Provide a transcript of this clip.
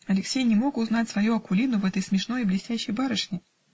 Алексей не мог узнать свою Акулину в этой смешной и блестящей барышне.